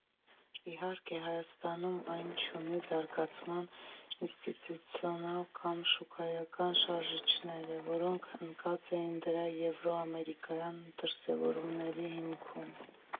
Իհարկե, Հայաստանում այն չուներ զարգացման ինստիտուցիոնալ կամ շուկայական շարժիչները, որոնք ընկած էին դրա եվրո֊ամերիկյան դրսևորումների հիմքում։